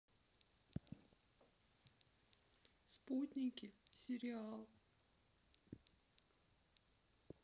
спутники сериал